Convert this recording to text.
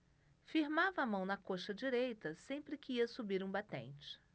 firmava a mão na coxa direita sempre que ia subir um batente